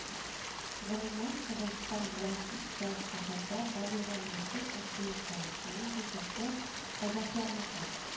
Гомумән, Казахстан белән чиктәш шәһәрдә барлыгы мәчет эшли икән, шуның бишесе казахларныкы